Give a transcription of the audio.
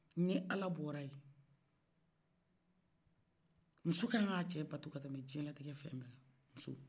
ni ala bɔra yen muso ka kan k'a cɛ bato ka tɛmɛ diɲɛlatigɛ fɛn bɛɛ kan muso